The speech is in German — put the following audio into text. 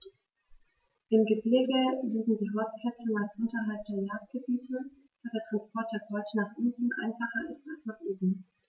Im Gebirge liegen die Horstplätze meist unterhalb der Jagdgebiete, da der Transport der Beute nach unten einfacher ist als nach oben.